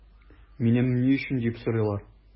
Миннән “ни өчен” дип сорыйлар.